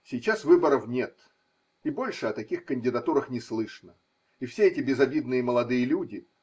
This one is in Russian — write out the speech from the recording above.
Сейчас выборов нет, и больше о таких кандидатурах не слышно, и все эти безобидные молодые люди.